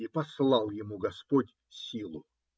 И послал ему господь силу.